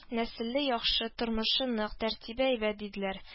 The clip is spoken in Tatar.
Нәселе яхшы, тормышы нык, тәртибе әйбәт, диделәр